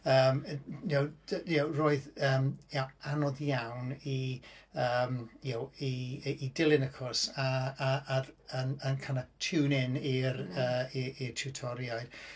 Yym y'know d- y'know roedd yn ia- anodd iawn i yym y'know i- i dilyn y cwrs a a a d- a kinda tune-in i'r yy i- i'r tiwtoriaid.